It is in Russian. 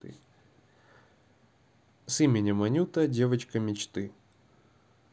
с именем анюта девочка мечты